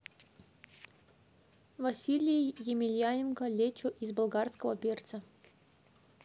василий емельяненко лечо из болгарского перца